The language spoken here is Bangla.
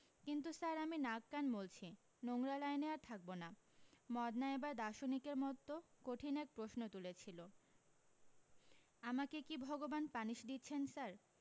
কিন্তু স্যার আমি নাক কান মলছি নোংরা লাইনে আর থাকবো না মদনা এবার দার্শনিকের মতো কঠিন এক প্রশ্ন তুলেছিল আমাকে কী ভগবান পানিশ দিচ্ছেন স্যার